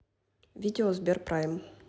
видео сберпрайм